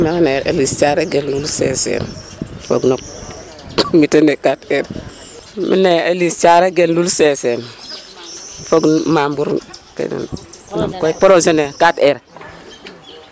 Mexey ne'e Eli Sarr gen Lul seseen fog no commité ne 4 R mi ne'e Eli Sarr gen Lul seseen fog membre projet ne 4 R